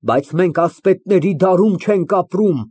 Բայց մենք ասպետների դարում չենք ապրում։